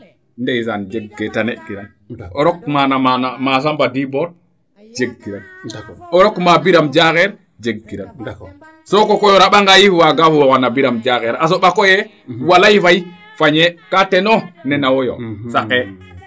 ndeysaan jeg kee tane kiran o roq maana ma Samba Dibor jeg kiran o roq maa Birame Diakhere jeg kiran sokokoy o ramba ngaa yiif waaga fuuxana Birame Diakhere a soɓa koy yee walaay Faye fañe ka teno nena woyo saqee